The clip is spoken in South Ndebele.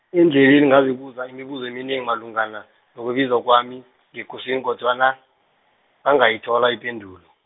endleleni ngazibuza imibuzo eminengi malungana, nokubizwa kwami ngekosini, kodwana ngangayithola ipendulo.